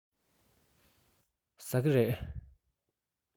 ཟ ཀི རེད